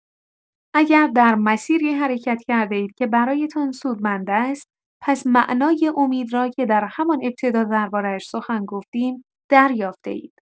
اگر در مسیری حرکت کرده‌اید که برایتان سودمند است، پس معنای امید را، که در همان ابتدا درباره‌اش سخن گفتیم، دریافته‌اید.